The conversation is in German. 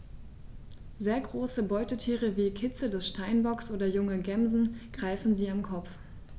Sehr große Beutetiere wie Kitze des Steinbocks oder junge Gämsen greifen sie am Kopf.